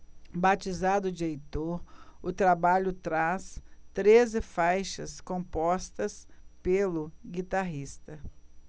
batizado de heitor o trabalho traz treze faixas compostas pelo guitarrista